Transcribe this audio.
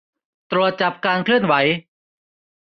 ตรวจจับการเคลื่อนไหว